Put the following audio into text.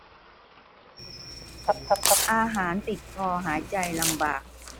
อาหารติดคอหายใจลำบาก